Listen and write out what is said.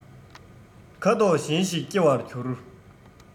ཁ དོག གཞན ཞིག སྐྱེ བར འགྱུར